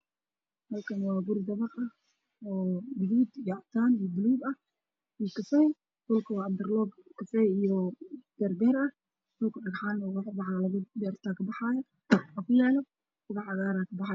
Halkaan waa guri dabaq ah oo gaduud, cadaan, buluug iyo kafay ah, dhulka waa intarloog kafay iyo beer ah, waxaa yaalo dhagax, waxaa kabaxaayo ubax cagaar ah.